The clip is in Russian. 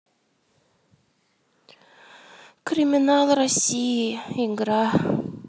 криминал россии игра